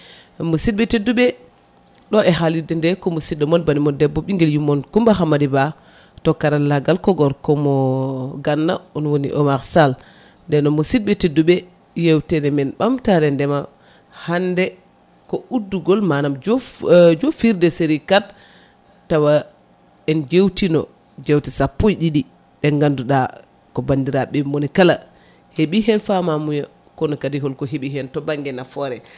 musidɓe tedduɓe ɗo e haalirde nde ko musidɗo moon banimon debbo ɓinguel yummon Coumba Hamady Ba to karralagal ko gorko mo Ganna on woni Oumar Sall nden noon musidɓe tedduɓe yewtere men ɓamtare ndeema hande ko uddugol manam jof( jofirde série 4tawa en jewtino jewte sappo e ɗiɗi ɗe ganduɗa ko bandiraɓe mpnikala heeɓi hen famamuya kono kadi holko heeɓi hen to banggue nafoore